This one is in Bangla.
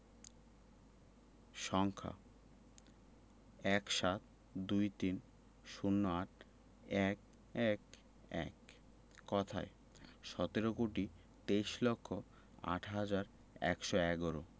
সংখ্যাঃ ১৭ ২৩ ০৮ ১১১ কথায়ঃ সতেরো কোটি তেইশ লক্ষ আট হাজার একশো এগারো